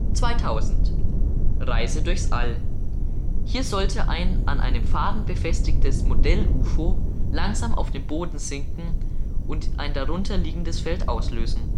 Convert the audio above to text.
2000: Reise durchs All - Hier sollte ein an einem Faden befestigtes Modellufo langsam auf den Boden sinken und ein darunter liegendes Feld auslösen